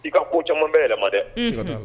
I ka ko caman bɛ yɛlɛma dɛ